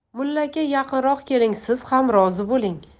mullaka yaqinroq keling siz ham rozi bo'ling